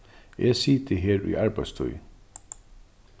eg siti her í arbeiðstíð